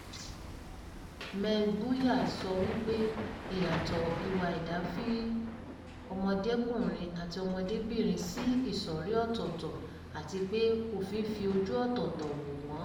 Ms. Mbuya sọ wípé ìyàtọ̀ ìwà ẹ̀dá fi ọmọdékùnrin àti ọmọdébìnrin sí "ìsọ̀rí ọ̀tọ̀ọ̀tọ̀ " àti pé, òfin fi ojú ọ̀tọ̀ọ̀tọ̀ wò wọ́n.